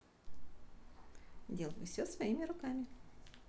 делаю все своими руками